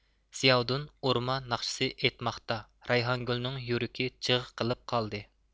زىياۋۇدۇن ئورما ناخشىسى ئېيتماقتا رەيھانگۈلنىڭ يۈرىكى جىغ قىلىپ قالدى